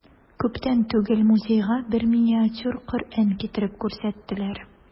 Күптән түгел музейга бер миниатюр Коръән китереп күрсәттеләр.